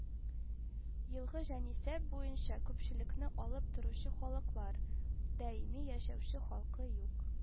Елгы җанисәп буенча күпчелекне алып торучы халыклар: даими яшәүче халкы юк